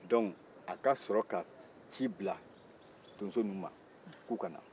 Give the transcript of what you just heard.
o la a ka sɔrɔ ka ci bila donson ninnu ma k'u ka na